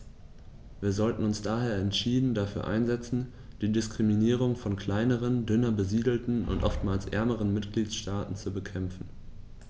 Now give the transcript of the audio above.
Wir sollten uns daher entschieden dafür einsetzen, die Diskriminierung von kleineren, dünner besiedelten und oftmals ärmeren Mitgliedstaaten zu bekämpfen.